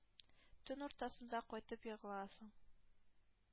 Төн уртасында кайтып егыласың,